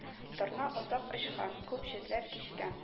Торна озак очкан, күп җирләр кичкән